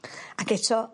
Ag eto